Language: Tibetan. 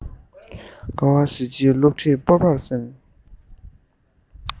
དཀའ བ གཟི བརྗིད སློབ ཁྲིད སྤོབས པར སེམས